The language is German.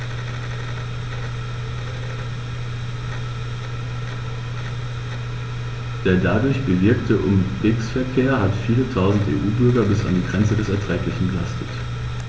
Der dadurch bewirkte Umwegsverkehr hat viele Tausend EU-Bürger bis an die Grenze des Erträglichen belastet.